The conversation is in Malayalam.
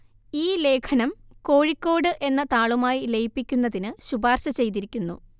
ഈ ലേഖനം കോഴിക്കോട് എന്ന താളുമായി ലയിപ്പിക്കുന്നതിന് ശുപാർശ ചെയ്തിരിക്കുന്നു